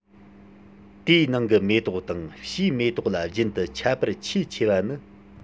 དེའི ནང གི མེ ཏོག དང ཕྱིའི མེ ཏོག ལ རྒྱུན དུ ཁྱད པར ཆེས ཆེ བ ནི